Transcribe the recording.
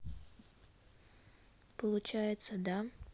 получается да